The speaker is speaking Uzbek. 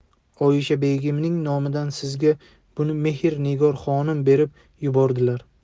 oyisha begimning nomidan sizga buni mehr nigor xonim berib yubordilar